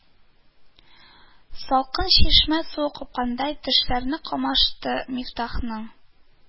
Салкын чишмә суы капкандай тешләре камашты Мифтахның